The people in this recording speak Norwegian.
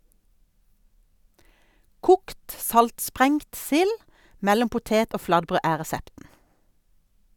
Kokt saltsprengt sild mellom potet og flatbrød er resepten.